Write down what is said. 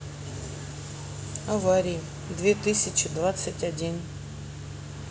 аварии две тысячи двадцать один